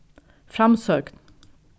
framsókn